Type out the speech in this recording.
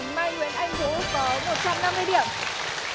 mai nguyễn anh dũng có một trăm năm mươi điểm